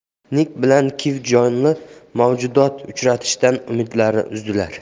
nig bilan kiv jonli mavjudot uchratishdan umidlarini uzdilar